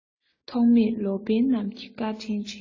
ཐོགས མེད ལོ པཎ རྣམས ཀྱི བཀའ དྲིན དྲན